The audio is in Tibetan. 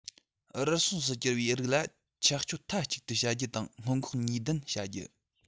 རུལ སུངས སུ གྱུར རིགས ལ ཆད གཅོད མཐའ གཅིག ཏུ བྱ རྒྱུ དང སྔོན འགོག ནུས ལྡན བྱ རྒྱུ